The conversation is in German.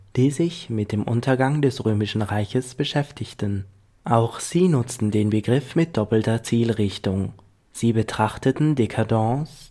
die sich mit dem Untergang des Römischen Reiches beschäftigten. Auch sie nutzten den Begriff mit doppelter Zielrichtung: Sie betrachteten décadence